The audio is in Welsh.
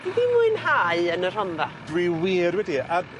Ti di mwynhau yn y Rhondda? Dwi wir wedi a